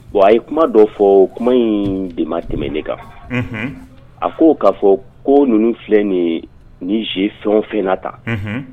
Wa a ye kuma dɔ fɔ kuma in de ma tɛmɛn ne kan a ko k'a fɔ ko ninnu filɛ ni ye ni jeu fɛn o fɛn na tan